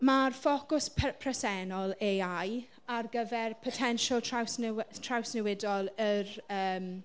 Ma'r ffocws pe- presennol AI ar gyfer potensial trawsnewi- trawsnewidol yr yym...